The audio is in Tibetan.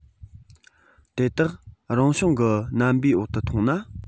ཐ ན དེ དག གལ ཏེ རང བྱུང གི རྣམ པའི འོག ཏུ མཐོང ན